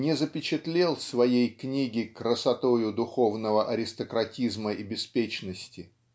не запечатлел своей книги красотою духовного аристократизма и беспечности.